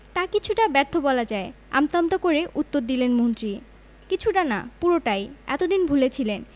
তা কিছুটা ব্যর্থ বলা যায় আমতা আমতা করে উত্তর দিলেন মন্ত্রী কিছুটা না পুরোটাই এত দিন ভুলে ছিলেন